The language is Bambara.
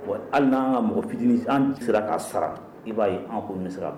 Bon hali n'an ka mɔgɔ fitinin, an sigila ka sara. i b'a ye anw Communiquera